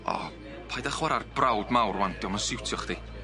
O, paid â chwara'r brawd mawr ŵan, 'di o'm yn siwtio chdi.